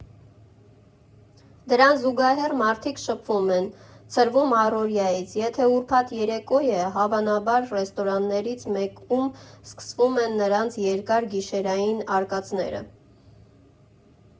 Դրան զուգահեռ մարդիկ շփվում են, ցրվում առօրյայից, եթե ուրբաթ երեկո է՝ հավանաբար ռեստորաններից մեկում սկսվում են նրանց երկար գիշերային արկածները։